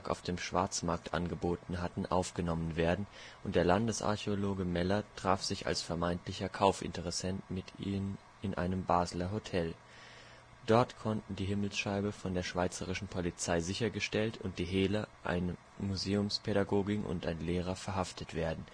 auf dem Schwarzmarkt angeboten hatten, aufgenommen werden, und der Landesarchäologe Meller traf sich als vermeintlicher Kaufinteressent mit ihnen in einem Basler Hotel. Dort konnten die Himmelsscheibe von der schweizerischen Polizei sichergestellt und die Hehler, eine Museumspädagogin und ein Lehrer, verhaftet werden